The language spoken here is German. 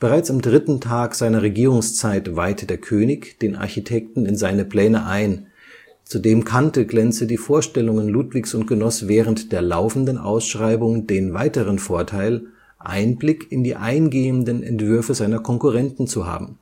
Bereits am dritten Tag seiner Regierungszeit weihte der König den Architekten in seine Pläne ein, zudem kannte Klenze die Vorstellungen Ludwigs und genoss während der laufenden Ausschreibung den weiteren Vorteil, Einblick in die eingehenden Entwürfe seiner Konkurrenten zu haben